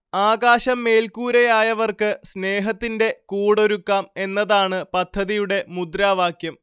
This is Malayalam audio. ആകാശം മേൽക്കൂരയായവർക്ക് സ്നേഹത്തിന്റെ കൂടൊരുക്കാം എന്നതാണ് പദ്ധതിയുടെ മുദ്രാവാക്യം